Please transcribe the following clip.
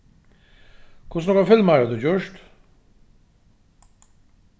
hvussu nógvar filmar hevur tú gjørt